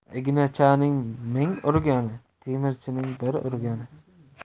ignachining ming urgani temirchining bir urgani